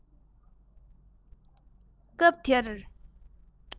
སྐབས དེར